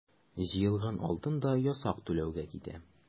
Җыелган алтын да ясак түләүгә китә.